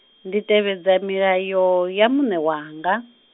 ndi tevhedza milayo, ya muṋe wanga.